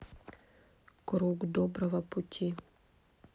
круг доброго пути